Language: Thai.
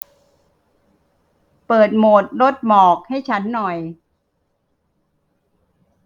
เปิดโหมดลดหมอกให้ฉันหน่อย